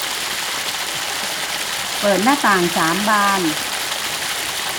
เปิดหน้าต่างสามบาน